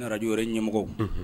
Ni arajo yɛrɛ ɲɛmɔgɔw, unhun